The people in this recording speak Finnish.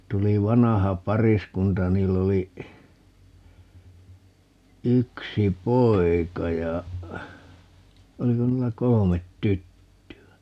tuli vanha pariskunta ja niillä oli yksi poika ja oliko niillä kolme tyttöä